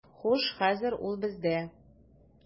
Хуш, хәзер ул бездә.